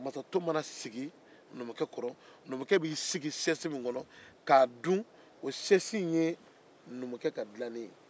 masato mana sigi masakɛ kɔrɔ a b'i sigi sɛsi min kɔnɔ k'a dun o ye numukɛ ka dilalen ye